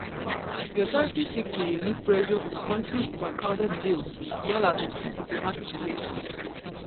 The authorities seek to relieve pressure on the country's overcrowded jails as well as improve diplomatic relations.